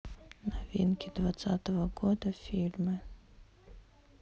новинки двадцатого года фильмы